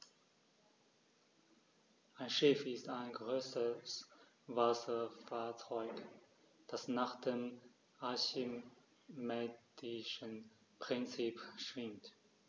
Ein Schiff ist ein größeres Wasserfahrzeug, das nach dem archimedischen Prinzip schwimmt.